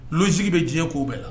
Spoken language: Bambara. Sigi bɛ diɲɛ k' bɛɛ la